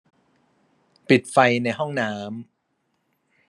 ปิดไฟในห้องน้ำ